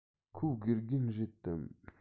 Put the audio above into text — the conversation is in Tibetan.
ཁོ དགེ རྒན རེད དམ